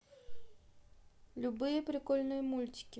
любые прикольные мультики